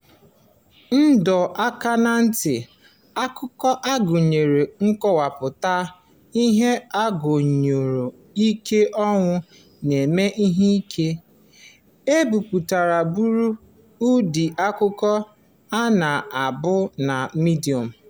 Ịdọ aka na ntị: akụkọ a gụnyere nkọwapụta ihe onyoonyo nke ọnwụ na ime ihe ike. E bipụtaburu ụdị akụkọ a na mbụ na Medium.